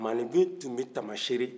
maaninfin kun bɛ tamasere